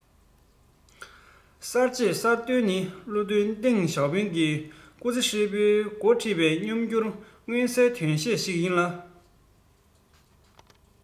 གསར འབྱེད གསར གཏོད ནི བློ མཐུན ཏེང ཞའོ ཕིང སྐུ ཚེ ཧྲིལ པོའི འགོ ཁྲིད ཀྱི ཉམས འགྱུར མངོན གསལ དོད ཤོས ཤིག ཡིན ལ